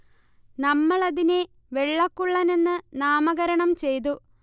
നമ്മൾ അതിനെ വെള്ളക്കുള്ളൻ എന്ന് നാമകരണം ചെയ്തു